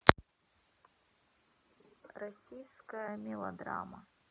российская мелодрама